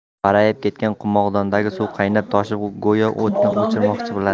qorayib ketgan qumg'ondagi suv qaynab toshib go'yo o'tni o'chirmoqchi bo'ladi